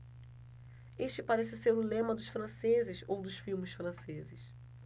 este parece ser o lema dos franceses ou dos filmes franceses